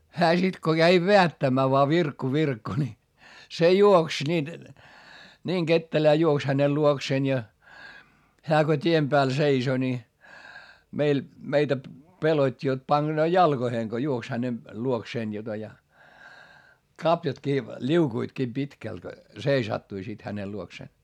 hän sitten kun kävi vedättämään vain Virkku Virkku niin se juoksi niin niin ketterään juoksi hänen luokseen ja hän kun tien päällä seisoi niin meillä meitä pelotti jotta pakenee jalkoihin kun juoksi hänen luokseen jota ja kaviotkin liukuivatkin pitkälti seisattui sitten hänen luokseen